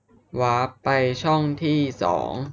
วาปไปช่องที่สอง